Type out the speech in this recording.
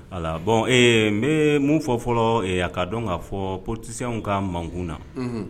A bɔn n mun fɔ fɔlɔ a ka dɔn k'a fɔ posiw ka mankun na